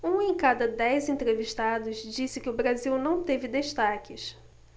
um em cada dez entrevistados disse que o brasil não teve destaques